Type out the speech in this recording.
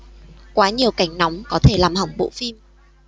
quá nhiều cảnh nóng có thể làm hỏng bộ phim